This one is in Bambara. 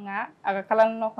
A ka kalan nɔ kɔnɔ